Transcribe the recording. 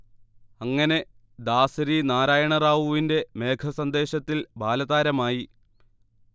അങ്ങിനെ ദാസരി നാരായണ റാവുവിന്റെ മേഘസന്ദേശത്തിൽ ബാലതാരമായി